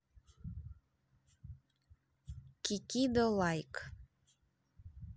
kikido лайк